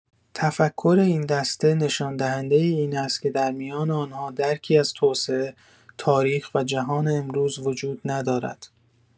تفکر این دسته نشان‌دهنده این است که در میان آن‌ها درکی از توسعه، تاریخ و جهان امروز وجود ندارد.